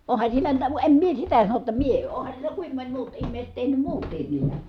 onhan siinä mitä vain en minä sitä sano jotta minä onhan siellä kuinka moni muut ihmiset tehnyt muutkin niitä